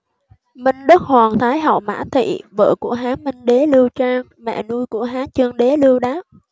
minh đức hoàng thái hậu mã thị vợ của hán minh đế lưu trang mẹ nuôi của hán chương đế lưu đát